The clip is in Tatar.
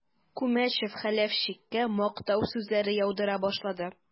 Күмәчев Хәләфчиккә мактау сүзләре яудыра башлады.